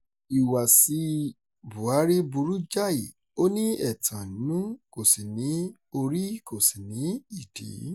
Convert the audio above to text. Ìhùwàsíi Buhari burú jáyì, ó ní ẹ̀tàn nínú, kò sì ní orí kò sì ní ìdí.